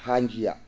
haa njiyaa